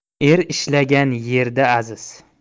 er ishlagan yerda aziz